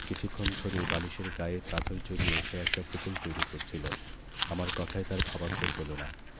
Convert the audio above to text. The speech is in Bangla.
কিছুক্ষণ ধরেই বালিশের গায়ে চাদর জড়িয়ে সে একটা পুতুল তৈরি করছিলো আমার কথায় তার ভাবান্তর হলো না